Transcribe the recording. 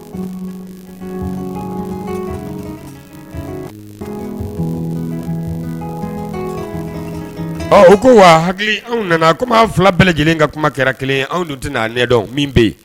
O ko wa hakili anw nana kuma an fila bɛɛ lajɛlen ka kuma kɛra kelen anw dun tɛna'a ɲɛdɔn min bɛ yen